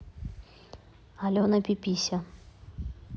алена пипися